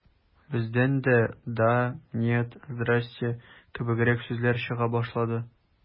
Бездән дә «да», «нет», «здрасте» кебегрәк сүзләр чыга башлады.